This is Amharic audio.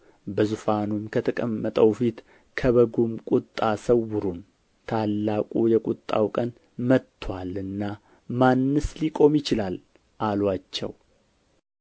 በዙፋንም ከተቀመጠው ፊት ከበጉም ቍጣ ሰውሩን ታላቁ የቁጣው ቀን መጥቶአልና ማንስ ሊቆም ይችላል አሉአቸው